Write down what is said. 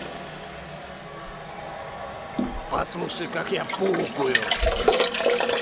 послушай как я пукаю